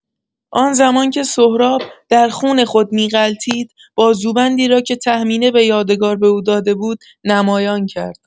آن‌زمان که سهراب، در خون خود می‌غلتید، بازوبندی را که تهمینه به یادگار به او داده بود، نمایان کرد.